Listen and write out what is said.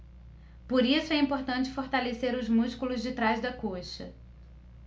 por isso é importante fortalecer os músculos de trás da coxa